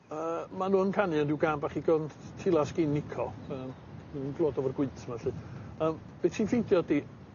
Yy ma' n'w yn canu on' rhyw gan bach ddigon t- t- tila s'gin nico. Yym ddim yn clwad efo'r gwynt 'ma 'lly. Yym be' ti'n ffindio ydi